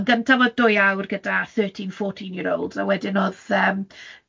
yn gyntaf oedd dwy awr gyda thirteen fourteen-year olds, a wedyn oedd yym